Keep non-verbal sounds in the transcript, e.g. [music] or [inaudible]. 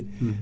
[hesitation] [hesitation]